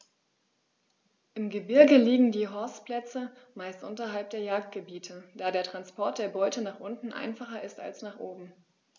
Im Gebirge liegen die Horstplätze meist unterhalb der Jagdgebiete, da der Transport der Beute nach unten einfacher ist als nach oben.